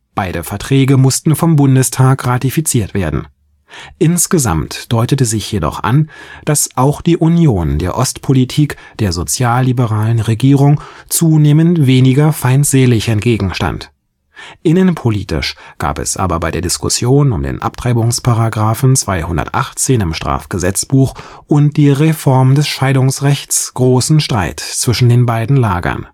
Beide Verträge mussten vom Bundestag ratifiziert werden. Insgesamt deutete sich jedoch an, dass auch die Union der Ostpolitik der sozialliberalen Regierung zunehmend weniger feindselig entgegenstand. Innenpolitisch gab es aber bei der Diskussion um den Abtreibungsparagrafen 218 im Strafgesetzbuch und die Reform des Scheidungsrechts großen Streit zwischen den beiden Lagern